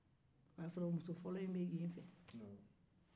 o y'a sɔrɔ muso fɔlɔ in bɛ yen fɛ